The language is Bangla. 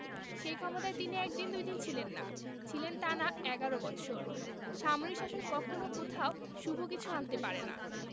সেই ক্ষমতায় তিনি একদিন দুইদিন ছিলেন না ছিলেন টানা এগারো বৎসর সামরিক শাসন কখনও কোথাও শুভ কিছু আনতে পারে না